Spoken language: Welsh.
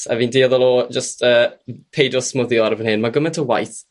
a fi'n deuddol o jyst y peidio smwddio erbyn hyn ma' cymaint o waith